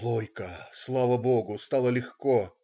Лойко - слава Богу,- стало легко.